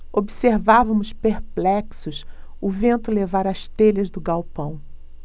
observávamos perplexos o vento levar as telhas do galpão